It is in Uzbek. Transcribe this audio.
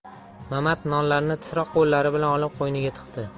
mamat nonlarni titroq qo'llari bilan olib qo'yniga tiqdi